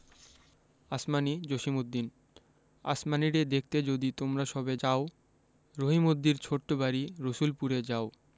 আসমানী জসিমউদ্দিন আসমানীরে দেখতে যদি তোমরা সবে চাও রহিমদ্দির ছোট্ট বাড়ি রসুলপুরে যাও